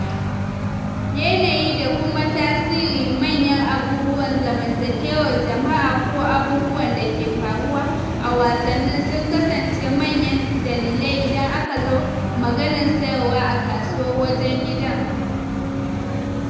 Yanayi da kuma tasirin manyan abubuwan zamantakewar jama'a ko abubuwan dake faruwa a wasanni sun kasance manyan dalilai idan aka zo maganar sayarwa a kasuwar wajen gida.